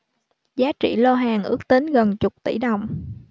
giá trị lô hàng ước tính gần chục tỷ đồng